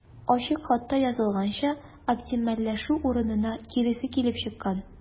Ачык хатта язылганча, оптимальләшү урынына киресе килеп чыккан.